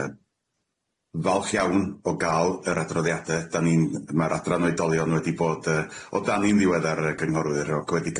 Yy. Falch iawn o ga'l yr adroddiade, dan ni'n ma'r adran oedolion wedi bod yy o dan ni'n ddiweddar yy cyngorwyr ac wedi